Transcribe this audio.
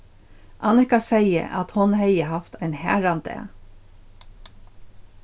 annika segði at hon hevði havt ein harðan dag